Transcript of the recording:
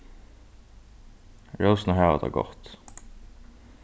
rósurnar hava tað gott